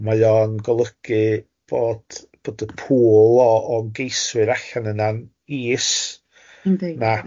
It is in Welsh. ond mae o'n golygu bod bod y pwl o o ymgeiswyr allan yna'n is... Yndi, yndi.